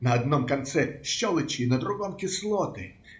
На одном конце щелочи, на другом - кислоты.